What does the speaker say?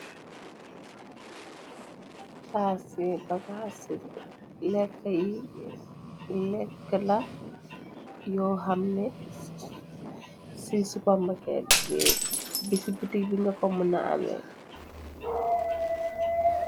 bakaa ci lekk yi lekk la yoo xamne ci supermaket b bi ci bitik bi nga kommuna ane